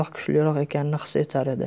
kuchliroq ekanini his etar edi